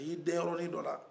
a y'i dɛn yɔrɔ ni dɔ la